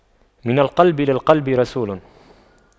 من القلب للقلب رسول